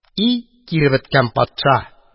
И киребеткән патша!